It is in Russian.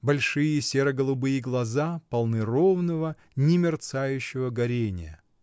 Большие серо-голубые глаза полны ровного, немерцающего горения.